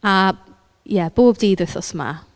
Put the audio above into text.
A ie bob dydd wythnos yma.